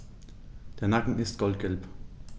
Der Nacken ist goldgelb.